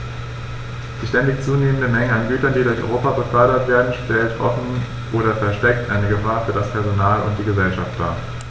Die ständig zunehmende Menge an Gütern, die durch Europa befördert werden, stellt offen oder versteckt eine Gefahr für das Personal und die Gesellschaft dar.